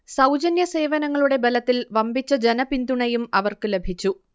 സൗജന്യ സേവനങ്ങളുടെ ബലത്തിൽ വമ്പിച്ച ജനപിന്തുണയും അവർക്ക് ലഭിച്ചു